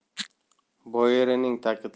boyerining ta'kidlashicha loyihaning